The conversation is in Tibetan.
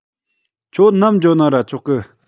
ཁྱོད ནམ འགྱོ ན ར ཆོག གི